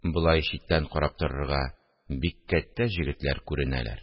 Болай читтән карап торырга бик кәттә җегетләр күренәләр